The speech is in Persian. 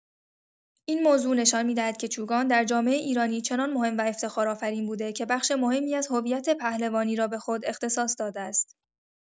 این موضوع نشان می‌دهد که چوگان در جامعه ایرانی چنان مهم و افتخارآفرین بوده که بخش مهمی از هویت پهلوانی را به خود اختصاص داده است.